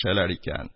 Шәләр икән